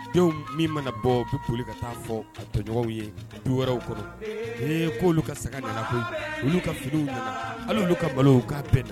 Denw min mana bɔ bɛ boli ka taa fɔ tɔɲɔgɔnw ye du wɛrɛw kɔnɔ ee k' olu ka saga nana olu ka filiw hali ka balo k' bɛn na